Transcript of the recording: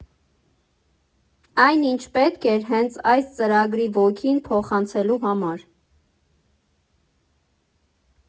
Այն, ինչ պետք էր հենց այս ծրագրի ոգին փոխանցելու համար։